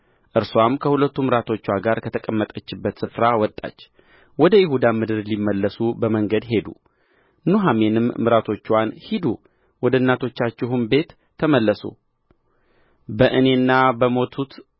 እርስዋም ከሁለቱ ምራቶችዋ ጋር ከተቀመጠችበት ስፍራ ወጣች ወደ ይሁዳም ምድር ሊመለሱ በመንገድ ሄዱ ኑኃሚንም ምራቶችዋን ሂዱ ወደ እናቶቻችሁም ቤት ተመለሱ በእኔና በሞቱት